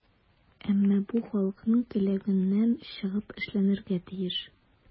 Әмма бу халыкның теләгеннән чыгып эшләнергә тиеш.